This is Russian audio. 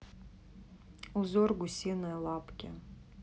узор гусиные лапки